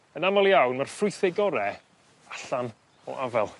yn amal iawn ma'r ffrwytheu gore allan o afel.